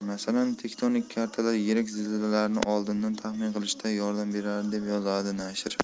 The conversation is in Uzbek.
masalan tektonik kartalar yirik zilzilalarni oldindan taxmin qilishda yordam beradi deb yozadi nashr